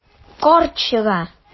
Карт чыга.